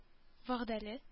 Вәгъдәле